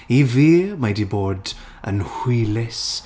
I fi, mae di bod yn hwylus...